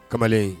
Kamalen